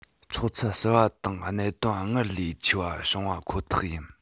འཁྱོག ཚུལ གསར བ དང གནད དོན སྔར ལས ཆེ བ བྱུང བ ཁོ ཐག ཡིན